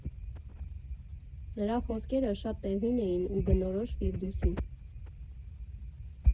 Նրա խոսքերը շատ տեղին էին ու բնորոշ Ֆիրդուսին.